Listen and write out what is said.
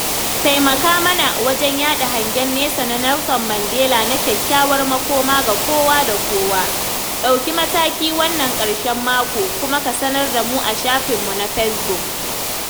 Taimaka mana wajen yaɗa hangen nesa na Nelson Mandela na kyakkyawar makoma ga kowa da kowa, ɗauki mataki wannan ƙarshen mako, kuma ka sanar da mu a Shafinmu na Facebook.